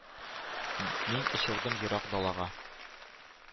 Мин очырдым ерак далага.